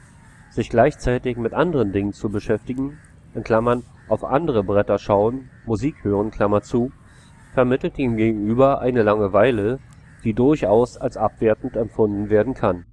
Sich gleichzeitig mit anderen Dingen zu beschäftigen (auf andere Bretter schauen, Musik hören) vermittelt dem Gegenüber eine Langeweile, die durchaus als abwertend empfunden werden kann